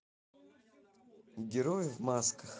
герои в масках